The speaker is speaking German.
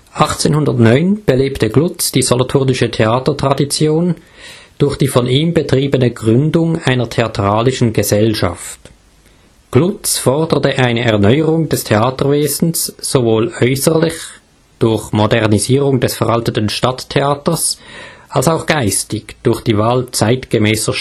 1809 belebte Glutz die solothurnische Theatertradition durch die von ihm betriebene Gründung einer „ Theatralischen Gesellschaft “. Glutz forderte eine Erneuerung des Theaterwesens, sowohl äusserlich (durch Modernisierung des veralteten Stadttheaters) als auch geistig (durch die Wahl zeitgemässer